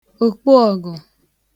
òkpuọgụ̀